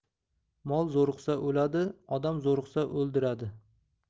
mol zo'riqsa o'ladi odam zo'riqsa o'ldiradi